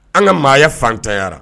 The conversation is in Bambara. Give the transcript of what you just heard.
An ka maaya fantanyara